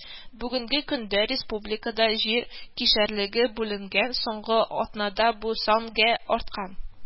Бүгенге көндә республикада җир кишәрлеге бүленгән, соңгы атнада бу сан гә арткан